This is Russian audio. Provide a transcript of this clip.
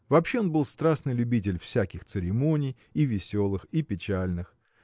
Вообще он был страстный любитель всяких церемоний и веселых и печальных